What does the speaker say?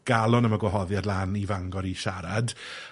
...galon am y gwahoddiad lan i Fangor i siarad.